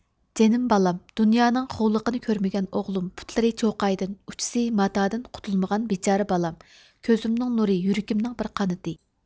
جېنىم بالام دۇنيانىڭ خوۋلۇقىنى كۆرمىگەن ئوغلۇم پۇتلىرى چوقايدىن ئۇچىسى ماتادىن قۇتۇلمىغان بىچارە بالام كۆزۈمنىڭ نۇرى يۈرىكىمنىڭ بىر قانىتى